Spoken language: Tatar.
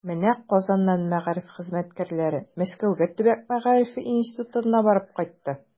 Менә Казаннан мәгариф хезмәткәрләре Мәскәүгә Төбәк мәгарифе институтына барып кайтты.